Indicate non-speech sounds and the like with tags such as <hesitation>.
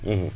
<hesitation> <hesitation>